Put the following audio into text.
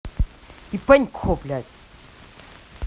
ипанько блядь